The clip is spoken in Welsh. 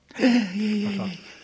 Ie, ie, ie, ie.